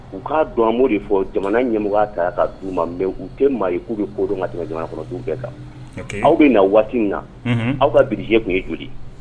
U k'a dɔn an b'o de fɔ jamana ɲɛmɔgɔ ta la k'a d 'u ma mais u tɛ maa ye k'u bɛ ko don ka tɛmɛ jamanakɔnɔden bɛɛ ka, aw bɛ na waati min na aw ka budget tun ye joli ye?